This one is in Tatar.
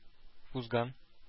Узган